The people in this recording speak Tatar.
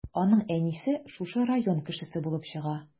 Аның әнисе шушы район кешесе булып чыга.